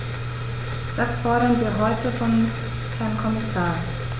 Das fordern wir heute vom Herrn Kommissar.